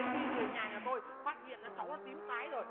đến khi người nhà nhà tôi phát hiện ra cháu tím tái rồi